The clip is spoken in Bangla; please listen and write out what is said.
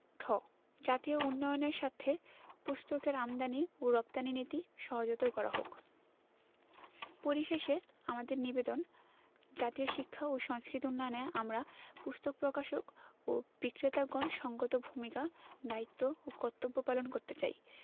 ঠ জাতীয় উন্নয়নের স্বার্থে পুস্তকের আমদানী ও রপ্তানী নীতি সহজতর করা হোক পরিশেষে আমাদের নিবেদন জাতীয় শিক্ষা ও সংস্কৃতি উন্নয়নে আমরা পুস্তক প্রকাশক ও বিক্রেতাগণ সঙ্গত ভূমিকা দায়িত্ব ও কর্তব্য পালন করতে চাই